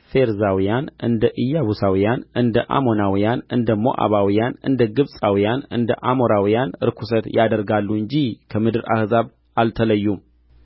ፌርዛውያን እንደ ኢያቡሳውያን እንደ አሞናውያን እንደ ሞዓባውያን እንደ ግብጻውያንና እንደ አሞራውያን ርኵሰት ያደርጋሉ እንጂ ከምድር አሕዛብ አልተለዩም